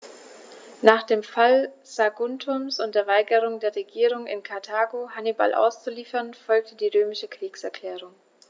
Nach dem Fall Saguntums und der Weigerung der Regierung in Karthago, Hannibal auszuliefern, folgte die römische Kriegserklärung.